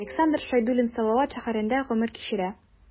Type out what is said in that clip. Александр Шәйдуллин Салават шәһәрендә гомер кичерә.